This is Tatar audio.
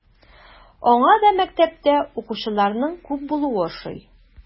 Аңа да мәктәптә укучыларның күп булуы ошый.